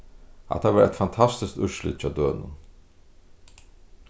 hatta var eitt fantastiskt úrslit hjá dønum